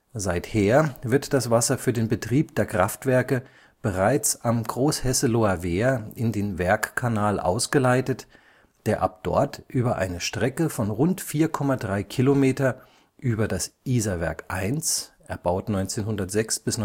Seither wird das Wasser für den Betrieb der Kraftwerke bereits am Großhesseloher Wehr in den Werkkanal ausgeleitet, der ab dort über eine Strecke von rund 4,3 Kilometer über das Isarwerk I (erbaut 1906 bis